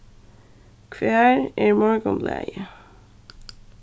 hvar er morgunblaðið